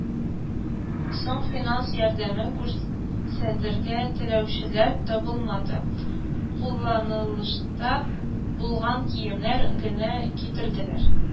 Соң финанс ярдәме күрсәтергә теләүчеләр табылмады, кулланылышта булган киемнәр генә китерделәр